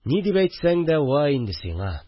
Ни дип әйтсәң дә вай инде сиңа